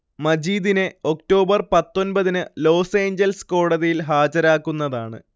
മജീദിനെ ഒക്ടോബർ പത്തൊമ്പതിനു Los Angeles കോടതിയിൽ ഹാജരാക്കുന്നതാണ്